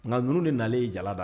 Nga nunun de nalen ye jala da